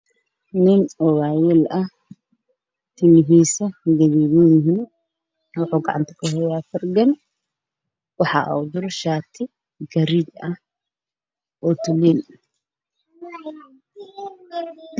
Waa nin oday oo madax guduudan oo ul haystaa